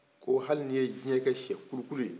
ko hali n'i ye diɲɛ kɛ siyɛkulukulu ye